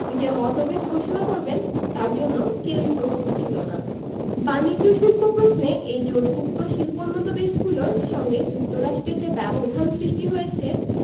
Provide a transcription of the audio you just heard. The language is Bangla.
নিজের মতভেদ ঘোষণা করবেন তার জন্য কেউই প্রস্তুত ছিল না বাণিজ্য শুল্ক প্রশ্নে এই জোটভুক্ত শিল্পোন্নত দেশগুলোর সঙ্গে যুক্তরাষ্ট্রের যে ব্যবধান সৃষ্টি হয়েছে